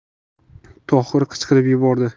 tohir qichqirib yubordi